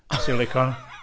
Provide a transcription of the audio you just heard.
silicone.